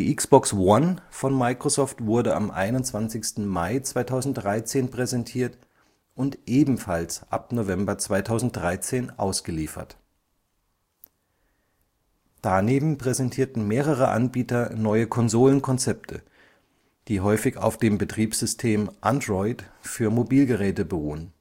Xbox One von Microsoft wurde am 21. Mai 2013 präsentiert und ebenfalls ab November 2013 ausgeliefert. Daneben präsentierten mehrere Anbieter neue Konsolenkonzepte, die häufig auf dem Betriebssystems Android für Mobilgeräte beruhen